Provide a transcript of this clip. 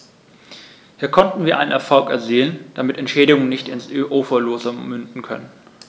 Hier konnten wir einen Erfolg erzielen, damit Entschädigungen nicht ins Uferlose münden können.